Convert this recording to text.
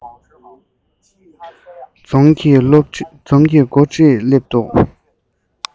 རྫོང གི མགོ ཁྲིད སླེབས འདུག